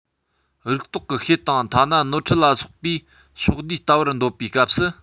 རིགས རྟོག གི ཤེད དང ཐ ན ནོར འཁྲུལ ལ སོགས པའི ཕྱོགས བསྡུས ལྟ བུར འདོད པའི སྐབས སུ